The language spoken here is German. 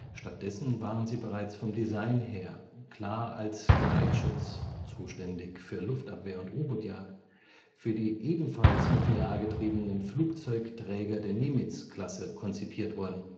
Stattdessen waren sie bereits vom Design her klar als Geleitschutz (zuständig für Luftabwehr und U-Jagd) für die ebenfalls nuklear getriebenen Flugzeugträger der Nimitz-Klasse konzipiert worden